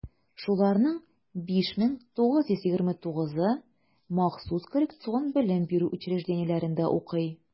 Шуларның 5929-ы махсус коррекцион белем бирү учреждениеләрендә укый.